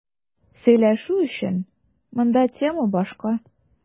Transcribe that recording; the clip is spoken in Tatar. Сөйләшү өчен монда тема башка.